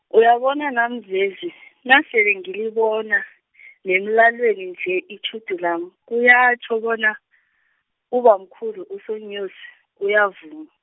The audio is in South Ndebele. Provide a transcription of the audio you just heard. uyabona naMzwezi, nasele ngilibona , neenlwaneni nje itjhudu lami, kuyatjho bona, ubamkhulu uSoNyosi, uyavuma.